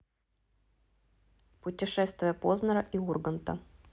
путешествие познера и урганта